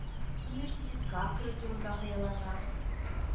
Университетка керү турында хыяллана.